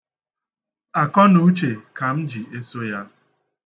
Akọnauche ka m ji eso ya.